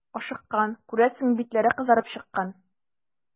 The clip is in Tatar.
Ашыккан, күрәсең, битләре кызарып чыккан.